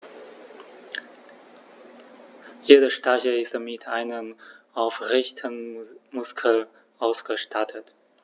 Jeder Stachel ist mit einem Aufrichtemuskel ausgestattet.